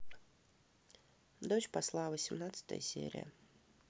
дочь посла восемнадцатая серия